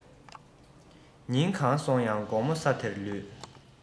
ཉིན གང སོང ཡང དགོང མོ ས དེར ལུས